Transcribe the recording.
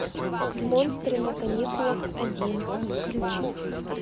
монстры на каникулах один